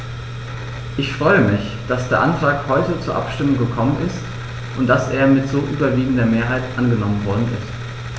Ich freue mich, dass der Antrag heute zur Abstimmung gekommen ist und dass er mit so überwiegender Mehrheit angenommen worden ist.